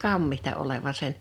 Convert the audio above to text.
kammitsa olevan sen